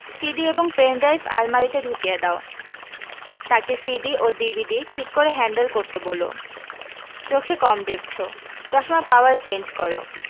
CD এবং pen drive আলমারিতে ঢুকিয়ে দাও তাকে সিডি ও ডিভিডি ঠিক করে হ্যান্ডেল করতে বোলো চোখে কম দেখছো চশমার পাওয়ার চেঞ্জ করো